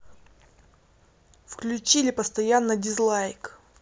выключили постоянно дизлайк